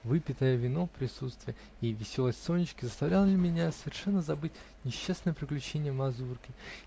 Выпитое вино, присутствие и веселость Сонечки заставили меня совершенно забыть несчастное приключение мазурки.